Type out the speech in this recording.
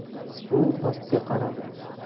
u pastga qaradi